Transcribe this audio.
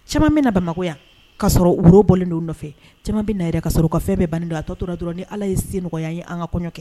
Cɛman min na bamakɔ yan k ka sɔrɔ woro bɔlen don nɔfɛ cɛman bɛ na ka sɔrɔ ka fɛn bɛ bannen don a tɔ tora dɔrɔn ni ala ye se nɔgɔya ye an ka kɔɲɔ kɛ